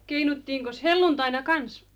keinuttiinkos helluntaina kanssa